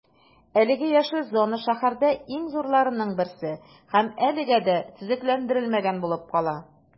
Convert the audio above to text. Әлеге яшел зона шәһәрдә иң зурларының берсе һәм әлегә дә төзекләндерелмәгән булып кала.